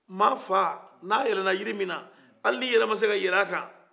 ma fa ni a yɛlɛla jiri min na ali ni i yɛrɛ ma se ka yɛlɛ a kan